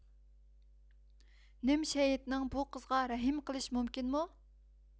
نىمشىھېتنىڭ بۇ قىزغا رەھىم قىلىش مۇمكىنمۇ